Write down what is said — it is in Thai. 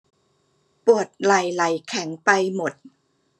ปวดไหล่ไหล่แข็งไปหมด